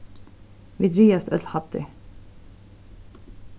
vit ræðast øll hæddir